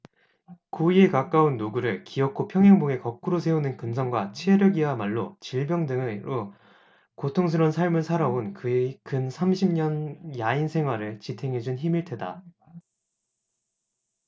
고희에 가까운 노구를 기어코 평행봉에 거꾸로 세우는 근성과 체력이야말로 질병 등으로 고통스런 삶을 살아온 그의 근 삼십 년 야인 생활을 지탱해준 힘일 테다